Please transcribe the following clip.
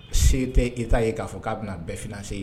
See tɛ Etat ye k'a fɔ k'a bɛna bɛɛ financer